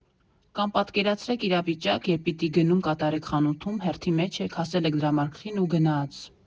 Կամ պատկերացրեք իրավիճակ, երբ պիտի գնում կատարեք խանութում, հերթի մեջ եք, հասել եք դրամարկղին ու գնա՜ց.